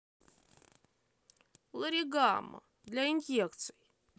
ларигамма для инъекций